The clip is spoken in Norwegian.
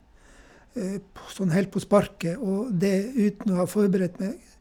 på Sånn helt på sparket, og det uten å ha forberedt meg.